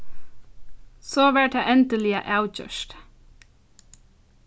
so varð tað endiliga avgjørt